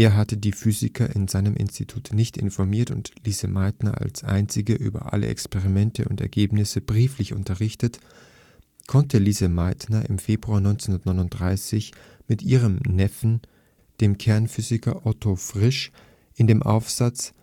hatte die Physiker in seinem Institut nicht informiert und Lise Meitner als einzige über alle Experimente und Ergebnisse brieflich unterrichtet), konnte Lise Meitner im Februar 1939 mit ihrem Neffen, dem Kernphysiker Otto Frisch, in dem Aufsatz